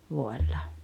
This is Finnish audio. vuodella